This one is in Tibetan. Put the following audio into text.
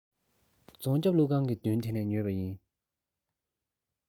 རྫོང རྒྱབ ཀླུ ཁང གི མདུན དེ ནས ཉོས པ ཡིན